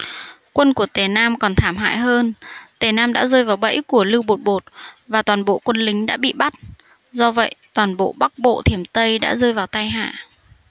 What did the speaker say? quân của tề nam còn thảm hại hơn tề nam đã rơi vào bẫy của lưu bột bột và toàn bộ quân lính đã bị bắt do vậy toàn bộ bắc bộ thiểm tây đã rơi vào tay hạ